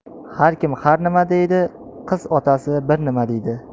har kim har nima deydi qiz otasi bir nima deydi